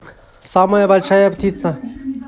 самая большая птица